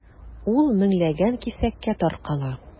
Ул меңләгән кисәккә таркала.